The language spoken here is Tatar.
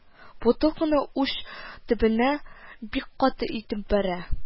Бутылканы уч төбенә бик каты итеп бәрә